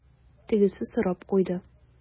Тегесе сорап куйды: